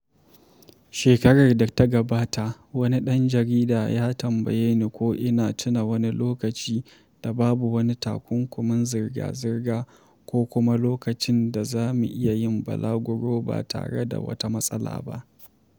Shekarar da ta gabata, wani ɗan jarida ya tambaye ni ko ina tuna wani lokaci da babu wani takunkumin zirga-zirga ko kuma lokacin da za mu iya yin balaguro ba tare da wata matsala ba.